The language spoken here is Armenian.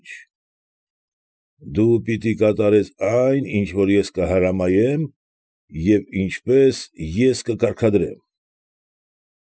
Ինչ. Դու պիտի կատարես այն, ինչ որ ես կհրամայեմ և ինչպես ես կկարգադրեմ։